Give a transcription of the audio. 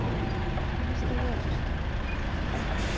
или стоять устал